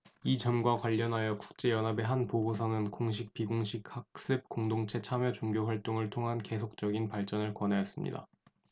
이 점과 관련하여 국제 연합의 한 보고서는 공식 비공식 학습 공동체 참여 종교 활동을 통한 계속적인 발전을 권하였습니다